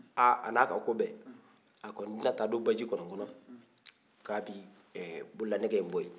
ha a ni a ka ko bɛɛ a kɔni tɛ na taa don baji kɔni kɔnɔ ko a bɛ ɛɛ bololanɛgɛ in bɔ yen